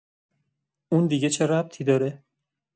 اون دیگه چه ربطی داره؟